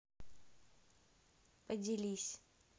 поделись